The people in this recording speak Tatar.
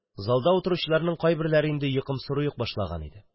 Залда утыручыларның кайберләре инде йокымсырый ук башлаган иде.